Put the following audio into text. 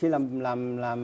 khi làm làm làm